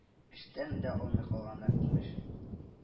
Эштән дә алмый калганнар, имеш